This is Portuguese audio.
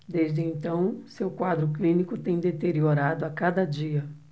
desde então seu quadro clínico tem deteriorado a cada dia